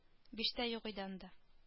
Биш тә юк иде анда